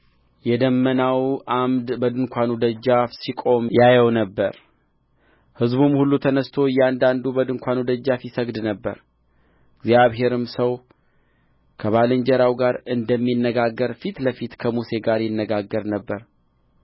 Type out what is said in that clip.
የደመናው ዓምድ በድንኳኑ ደጃፍ ሲቆም ያየው ነበር ሕዝቡም ሁሉ ተነሥቶ እያንዳንዱ በድንኳኑ ደጃፍ ይሰግድ ነበር እግዚአብሔርም ሰው ከባልንጀራው ጋር እንደሚነጋገር ፊት ለፊት ከሙሴ ጋር ይነጋገር ነበር